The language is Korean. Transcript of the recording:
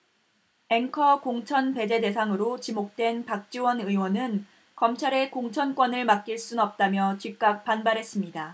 앵커 공천 배제 대상으로 지목된 박지원 의원은 검찰에 공천권을 맡길 순 없다며 즉각 반발했습니다